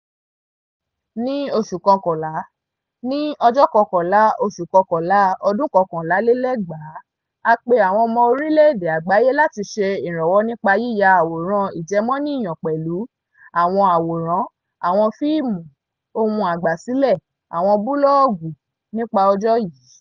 Ní oṣù Kọkànlá, ní 11/11/11 a pé àwọn ọmọ orílẹ̀ èdè àgbáyé láti ṣe ìrànwọ́ nípa yíya àwòrán ìjẹ́mọnìyàn pẹ̀lú: àwọn àwòrán, àwọn fíìmù, ohùn àgbàsílẹ̀, àwọn búlọ́ọ̀gù nípa ọjọ́ yìí.